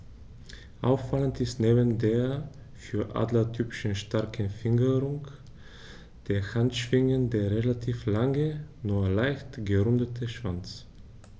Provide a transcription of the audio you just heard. Auffallend ist neben der für Adler typischen starken Fingerung der Handschwingen der relativ lange, nur leicht gerundete Schwanz.